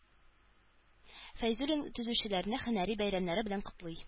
Фәйзуллин төзүчеләрне һөнәри бәйрәмнәре белән котлый